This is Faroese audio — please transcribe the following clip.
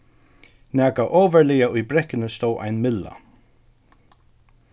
nakað ovarlaga í brekkuni stóð ein mylla